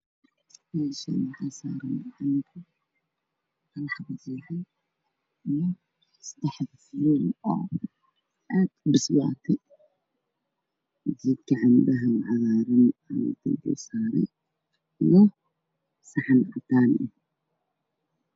Meeshaa waxaa iga muuqda saxan cadaan ah oo saaran canba jaall aha cambahana mid ayaa gees ka go-an oo la tijaabiyay